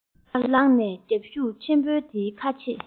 ཡར ལངས ནས རྒྱབ ཁུག ཆེན པོ དེའི ཁ ཕྱེས